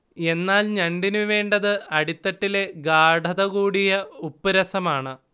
എന്നാൽ ഞണ്ടിനു വേണ്ടത് അടിത്തട്ടിലെ ഗാഢത കൂടിയ ഉപ്പുരസമാണ്